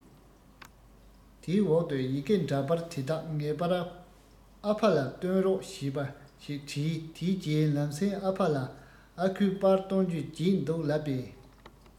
དེའི འོག ཏུ ཡི གེ འདྲ པར དེ དག ངེས པར ཨ ཕ ལ བཏོན རོགས ཞེས པ ཞིག བྲིས དེའི རྗེས ལམ སེང ཨ ཕ ལ ཨ ཁུས པར བཏོན རྒྱུ བརྗེད འདུག ལབ པས